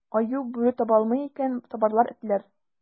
Аю, бүре таба алмый икән, табарлар этләр.